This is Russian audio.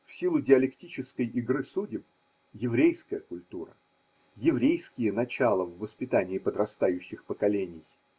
в силу диалектической игры судеб, еврейская культура, еврейские начала в воспитании подрастающих поколений.